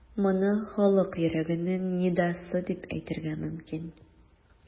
Моны халык йөрәгенең нидасы дип әйтергә мөмкин.